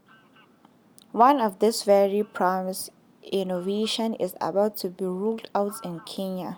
One of these very promising innovations is about to be rolled out in Kenya.